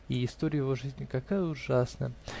И история его жизни какая ужасная!